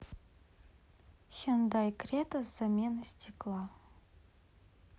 хендай крета замена стекла